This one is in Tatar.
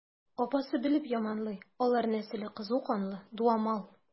Апасы белеп яманлый: алар нәселе кызу канлы, дуамал.